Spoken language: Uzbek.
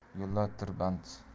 yo'llar tirband